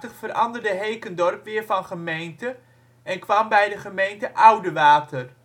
veranderde Hekendorp weer van gemeente en kwam bij de gemeente Oudewater